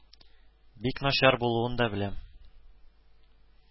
Бик начар булуын да беләм